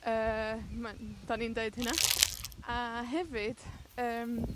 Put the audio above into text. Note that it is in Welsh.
Yy ma- n- 'dan ni'n deud hynna, a hefyd, yym